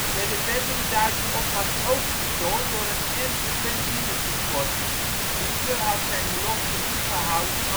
werd de verdere Duitse opmars ook verstoord door een ernstig benzinetekort. Hitler had zijn belofte niet gehouden